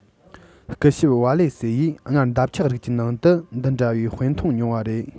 སྐུ ཞབས ཝ ལེ སི ཡིས སྔར འདབ ཆགས རིགས ཀྱི ནང དུ འདི འདྲ བའི དཔེ མཐོང མྱོང བ རེད